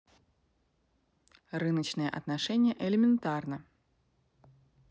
рыночные отношения элементарно